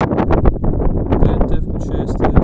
тнт включай стс